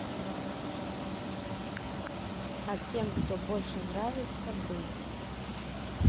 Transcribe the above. а тем кто больше нравится быть